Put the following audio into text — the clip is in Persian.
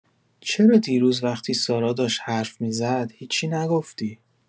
چرا دیروز وقتی سارا داشت حرف می‌زد، هیچی نگفتی؟